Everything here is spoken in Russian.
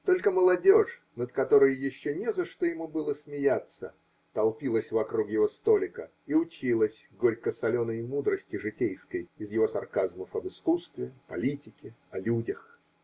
только молодежь, над которой еще не за что ему было смеяться, толпилась вокруг его столика и училась горько-соленой мудрости житейской из его сарказмов об искусстве, политике, о людях.